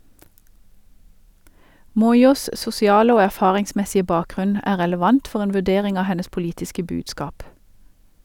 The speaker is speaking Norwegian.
Moyos sosiale og erfaringsmessige bakgrunn er relevant for en vurdering av hennes politiske budskap.